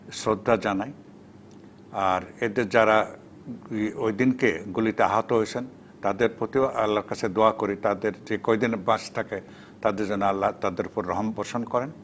শ্রদ্ধা জানাই আর এতে যারা ওই দিনকে গুলিতে আহত হয়েছেন তাদের প্রতিও আল্লাহর কাছে দোয়া করি তাদের যে কয়েকদিন শ্বাস থাকে তাদের যেন আল্লাহ তাদের উপর রহম পোষণ করেন